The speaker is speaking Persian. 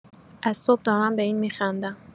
از صبح دارم به این می‌خندم.